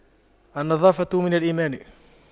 النظافة من الإيمان